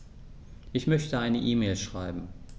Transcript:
Ich möchte eine E-Mail schreiben.